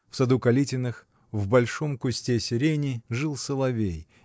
В саду Калитиных, в большом кусту сирени, жил соловей